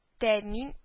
Тәэмин